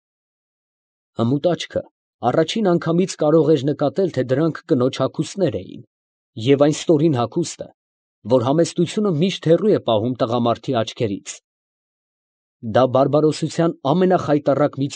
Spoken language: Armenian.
Հմուտ աչքը առաջին անգամից կարող էր նկատել, թե դրանք կնոջ հագուստներ էին, և այն ստորին հագուստը, որ համեստությունը միշտ հեռու է պահում տղամարդի աչքերից… Դա բարբարոսության ամենախայտառակ մի։